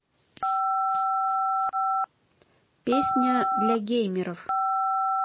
песня для геймеров